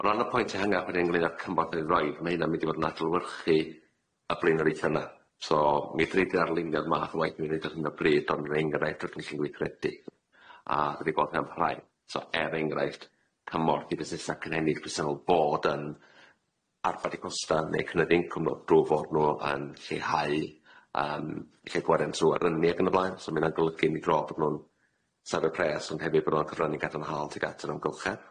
O ran y point ehangach wedyn ynglŷn ag cymorth yn ei roid ma' hynna'n mynd i fod yn adlewyrchu y blaenoraetha 'na so mi fedri ddarlunio'r math o waith dwi'n neud ar hyn o bryd ond ma' enghraifft dros gweithredu a so, er enghraifft cymorth i busnesa cyn ennill bod yn arfad i costa neu cynyddu incwm nhw drw fod nhw yn lleihau yym lle gwara twr neu ac yn y blaen so ma' hynna'n golygu yn i dro bod nhw'n safio pres ond hefyd bod o'n cyfrannu gadarnhaol tuag at yr amgylchedd.